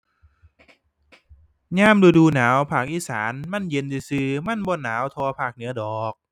ยามฤดูหนาว ภาคอีสานมันเย็นซื่อซื่อ มันบ่หนาวเท่าภาคเหนือดอก